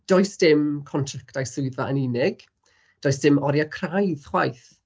Does dim contractau swyddfa yn unig, does dim oriau craidd chwaith.